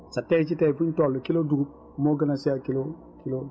sa tay si tay fuñ toll kilo dugub moo gën a cher kilo kilo